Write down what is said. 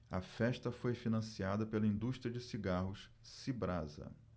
a festa foi financiada pela indústria de cigarros cibrasa